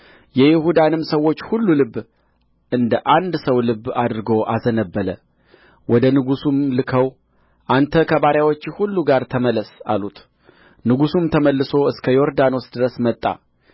የይሁዳንም ሰዎች ሁሉ ልብ እንደ አንድ ሰው ልብ አድርጎ አዘነበለ ወደ ንጉሡም ልከው አንተ ከባሪያዎችህ ሁሉ ጋር ተመለስ አሉት ንጉሡም ተመልሶ እስከ ዮርዳኖስ ድረስ መጣ